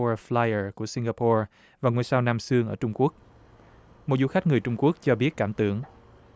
bo lai ờ của sin ga bo và ngôi sao nam xương ở trung quốc một du khách người trung quốc cho biết cảm tưởng